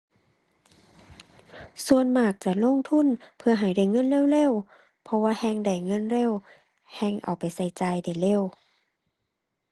ส่วนมากจะลงทุน เพื่อให้ได้เงินเร็วเร็ว เพราะว่าแฮ่งได้เงินเร็ว แฮ่งเอาไปใช้จ่ายได้เร็ว